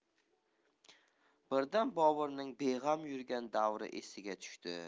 birdan boburning beg'am yurgan davri esiga tushdi